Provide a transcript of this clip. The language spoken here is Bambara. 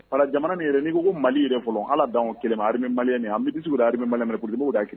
A jamana min yɛrɛ n ko mali yɛrɛ fɔlɔ ala' anw kelen mali an bi bisimila sigi don ami maliminɛoli m' kelen